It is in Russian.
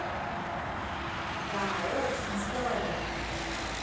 да очень здорово